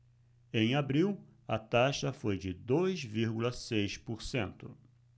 em abril a taxa foi de dois vírgula seis por cento